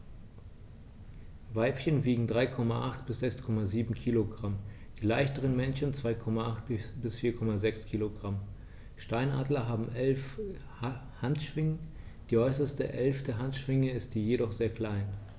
Weibchen wiegen 3,8 bis 6,7 kg, die leichteren Männchen 2,8 bis 4,6 kg. Steinadler haben 11 Handschwingen, die äußerste (11.) Handschwinge ist jedoch sehr klein.